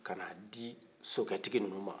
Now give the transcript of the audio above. ka n'a di sokɛtigi ninnu ma